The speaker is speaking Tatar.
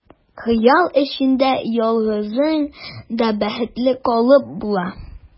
Хыял эчендә ялгызың да бәхетле калып була.